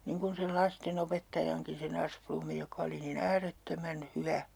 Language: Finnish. niin kuin sen lasten opettajankin sen Asplundin joka oli niin äärettömän hyvä